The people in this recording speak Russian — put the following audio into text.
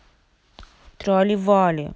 трали вали